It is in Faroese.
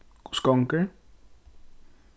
hvussu gongur